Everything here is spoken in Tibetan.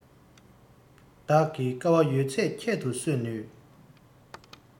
བདག གིས དཀའ བ ཡོད ཚད ཁྱད དུ གསོད ནུས